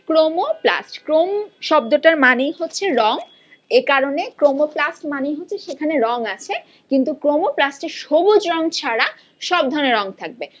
chromoplast chrome শব্দটার মানে হচ্ছে রং এ কারণে ক্রোমোপ্লাস্ট মানেই হচ্ছে সেখানে রং আছে কিন্তু ক্রোমোপ্লাস্ট এ সবুজ রং ছাড়া সব ধরনের রং থাকবে